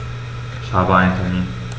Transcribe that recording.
Ich habe einen Termin.